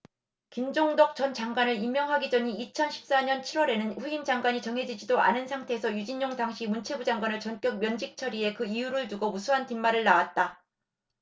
김종덕 전 장관을 임명하기 전인 이천 십 사 년 칠 월에는 후임 장관이 정해지지도 않은 상태에서 유진룡 당시 문체부 장관을 전격 면직 처리해 그 이유를 두고 무수한 뒷말을 낳았다